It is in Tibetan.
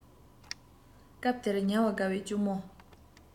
སྐབས དེར ཉལ བར དགའ བའི གཅུང མོ